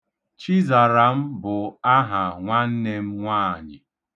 Chizaram bụ aha nwanne m nwaanyị.